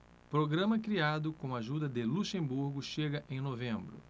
programa criado com a ajuda de luxemburgo chega em novembro